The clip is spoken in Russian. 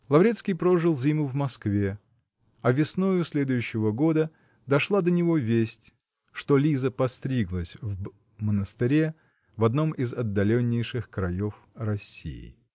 Лаврецкий прожил зиму в Москве, а весною следующего года дошла до него весть, что Лиза постриглась в Б. м монастыре, в одном из отдаленнейших краев России.